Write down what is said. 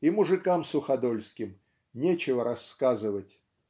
И мужикам суходольским нечего рассказывать.